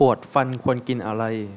ปวดฟันควรกินอะไร